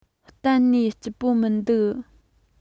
གཏན ནས སྐྱིད པོ མི འདུག